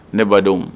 Ne badenw